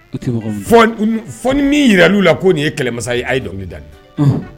O f jira' la ko nin ye kɛlɛmasa ye a ye dɔnkili dalen